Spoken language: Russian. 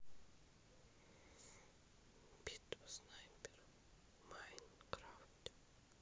битва снайперов в майнкрафте